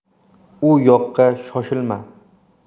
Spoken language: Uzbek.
u yoqqa shoshilma